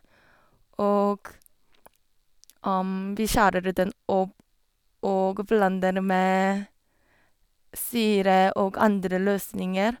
Og vi skjærer ut den og b og blander med syre og andre løsninger.